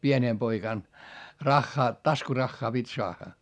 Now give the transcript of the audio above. pienenä poikana rahaa taskurahaa piti saada